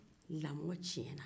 lamɔ tiɲɛ na